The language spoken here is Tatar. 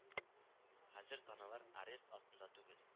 Хәзер таналар арест астында түгел